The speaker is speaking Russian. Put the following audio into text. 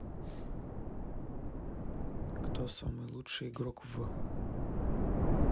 кто самый лучший игрок в